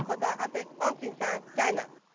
খোদা হাফেজ অং সুং সাং চায়না